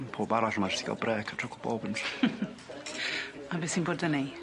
Ma' powb arall yma jyst i ca'l brêc a A be' sy'n bod â ni?